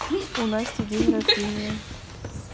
у насти день рождения